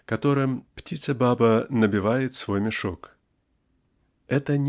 которым птица-баба набивает свой мешок. Это.